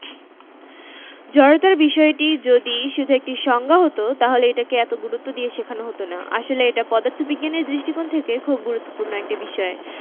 দ্বিতীয় অংশটি নিয়ে সমস্যা কারণ আমরা কখনোই কোনো চলন্ত বস্তুকে অনন্তকাল চলতে দেখি না ধাক্কা দিয়ে কোনো বস্তুকে গতিশীল করে ছেড়ে দিলেও দেখা যায় কোনো বল প্রয়োগ না করলেও শেষ পর্যন্ত বস্তুটা থেমে যায়